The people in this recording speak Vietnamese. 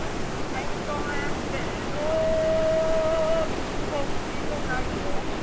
anh cho em kể nốt không thì không ai hiểu gì